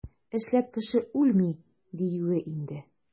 Эшләп кеше үлми, диюе инде.